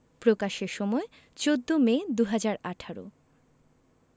প্রকাশের সময় ১৪ মে ২০১৮